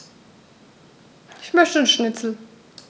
Ich möchte Schnitzel.